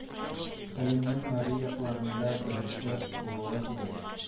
Хәлимнең мари якларында беренче булуы түгел